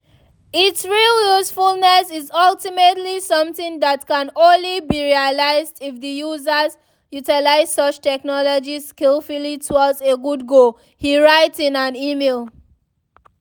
Its real usefulness is ultimately something that can only be realized if the users utilize such technology skillfully towards a good goal,” he writes in an e-mail.